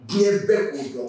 Diɲɛ bɛ' kɔ